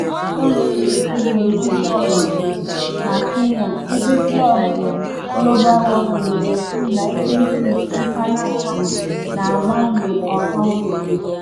Ọrụ ọzọ na-esote ga-ewere ọnọdụ na Kenya, ebe blọọgụ Global Warming na-ekwu na ekwentị mkpanaaka na-agbanwe ọha obodo.